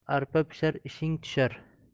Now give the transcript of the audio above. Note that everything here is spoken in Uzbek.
arpa pishar ishing tushar